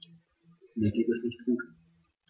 Mir geht es nicht gut.